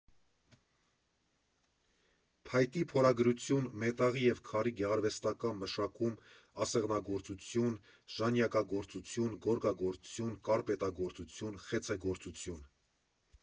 Փայտի փորագրություն, մետաղի և քարի գեղարվեստական մշակում, ասեղնագործություն, ժանյակագործություն, գորգագործություն, կարպետագործություն, խեցեգործություն։